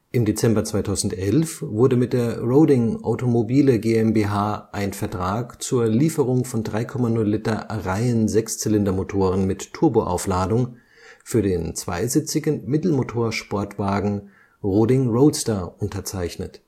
Im Dezember 2011 wurde mit der Roding Automobile GmbH ein Vertrag zur Lieferung von 3,0 l Reihensechszylindermotoren mit Turboaufladung für den zweisitzigen Mittelmotor-Sportwagen Roding Roadster unterzeichnet